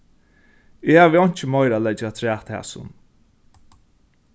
eg havi einki meira at leggja afturat hasum